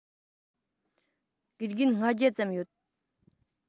དགེ རྒན ལྔ བརྒྱ ཙམ ཡོད